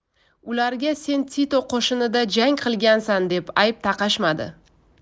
ularga sen tito qo'shinida jang qilgansan deb ayb taqashmadi